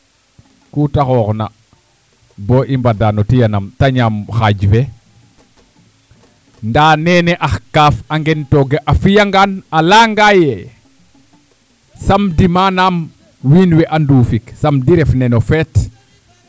kuuta xoox na boo i mbadaa no tiyanam te ñaam xaaj fee ndaa nene ax kaaf a ngen tooge a fi'angaan a layanga yee Samedi manam wiin we a nduufik Samedi ref neno feet